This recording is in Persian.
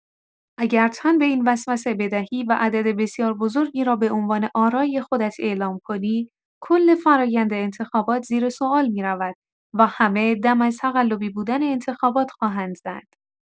اگر تن به این وسوسه بدهی و عدد بسیار بزرگی را به عنوان آرای خودت اعلام کنی، کل فرایند انتخابات زیر سوال می‌رود و همه دم از تقلبی بودن انتخابات خواهند زد.